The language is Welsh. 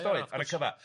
doedd ar y cyfa'.